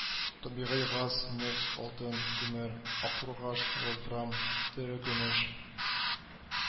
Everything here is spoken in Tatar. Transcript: Табигый газ, нефть, алтын, күмер, аккургаш, вольфрам, терекөмеш